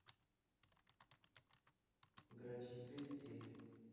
грачи прилетели